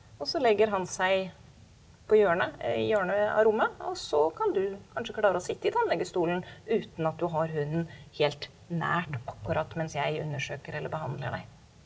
og så legger han seg på hjørnet i hjørnet av rommet, og så kan du kanskje klare å sitte i tannlegestolen uten at du har hunden helt nært akkurat mens jeg undersøker eller behandler deg.